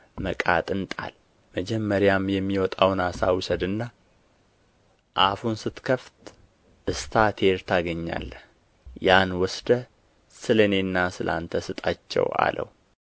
መቃጥን ጣል መጀመሪያም የሚወጣውን ዓሣ ውሰድና አፉን ስትከፍት እስታቴር ታገኛለህ ያን ወስደህ ስለ እኔና ስለ አንተ ስጣቸው አለው